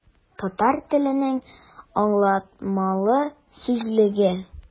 Татар теленең аңлатмалы сүзлеге.